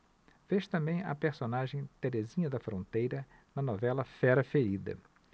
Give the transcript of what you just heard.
fez também a personagem terezinha da fronteira na novela fera ferida